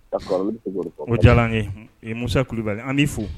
Ko diyara ye muso kulubali an b bɛ'i fo